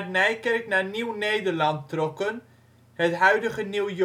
Nijkerk naar Nieuw-Nederland trokken (het huidige New